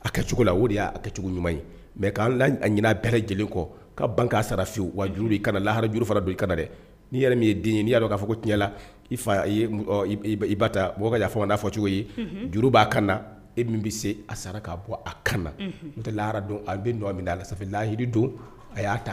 A kɛ cogo la de y'a kɛcogo ɲuman ye mɛ k'an ɲinin bɛɛ lajɛlen kɔ ka ban' saraye wa juru' kana na laharaj juru fara b' i kana na dɛ n'i yɛrɛ min ye den n'i ya dɔn k'a fɔ tiɲɛla i i ba yafa fɔ n'a fɔ cogo ye juru b'a ka e min bɛ se a sara k'a bɔ a kan n tɛ lahara dɔn a bɛ don a min' a la lahahiyi don a y'a ta